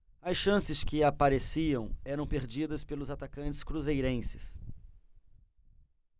as chances que apareciam eram perdidas pelos atacantes cruzeirenses